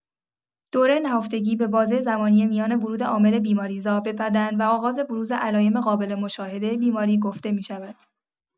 دوره نهفتگی به بازه زمانی میان ورود عامل بیماری‌زا به بدن و آغاز بروز علایم قابل‌مشاهده بیماری گفته می‌شود.